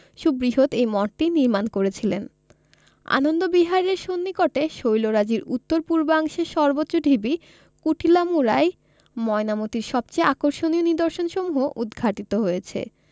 সুবৃহৎ এই মঠটি নির্মাণ করেছিলেন আনন্দ বিহার এর সন্নিকটে শৈলরাজির উত্তর পূর্বাংশের সর্বোচ্চ ঢিবি কুটিলা মুড়ায় ময়নামতীর সবচেয়ে আকর্ষণীয় নিদর্শনসমূহ উদ্ঘাটিত হয়েছে